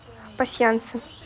пасьянсы